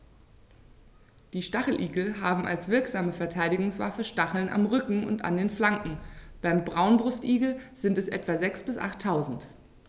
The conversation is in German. Die Stacheligel haben als wirksame Verteidigungswaffe Stacheln am Rücken und an den Flanken (beim Braunbrustigel sind es etwa sechs- bis achttausend).